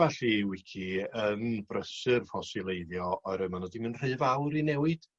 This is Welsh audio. amball i wici yn brysur ffosileiddio oerwydd ma' n'w 'di myn' rhy fawr i newid.